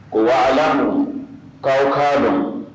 O' k'aw k'a don